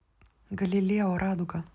галилео радуга